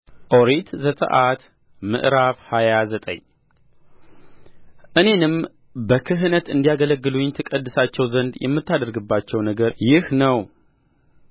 ኦሪት ዘጽአት ምዕራፍ ሃያ ዘጠኝ እኔንም በክህነት እንዲያገለግሉኝ ትቀድሳቸው ዘንድ የምታደርግባቸው ነገር ይህ ነው